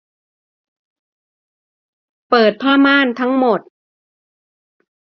เปิดผ้าม่านทั้งหมด